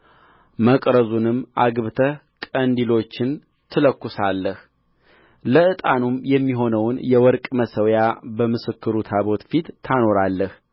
መቅረዙንም አግብተህ ቀንዲሎቹን ትለኵሳለህ ለዕጣንም የሚሆነውን የወርቅ መሠዊያ በምስክሩ ታቦት ፊት ታኖራለህ